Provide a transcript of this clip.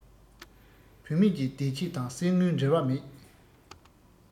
བུད མེད ཀྱི བདེ སྐྱིད དང གསེར དངུལ འབྲེལ བ མེད